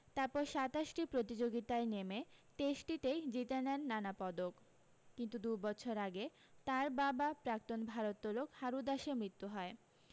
তারপর সাতাশ টি প্রতিযোগিতায় নেমে তেইশ টিতেই জিতে নেন নানা পদক কিন্তু দু বছর আগে তাঁর বাবা প্রাক্তন ভারোত্তলক হারু দাসের মৃত্যু হয়